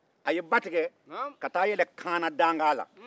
a ye ba tigɛ ka taa yɛlɛn kaana danga na